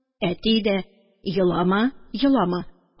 Әти дә: – Елама, елама!